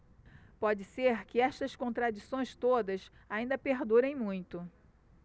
pode ser que estas contradições todas ainda perdurem muito